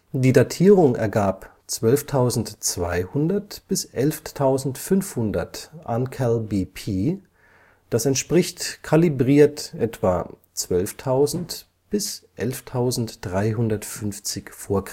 Die Datierung ergab 12.200 – 11.500 uncal. BP, das entspricht kalibriert etwa 12.000 – 11.350 v. Chr.